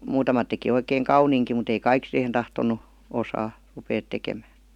muutamat teki oikein kauniinkin mutta ei kaikki siihen tahtonut osata ruveta tekemään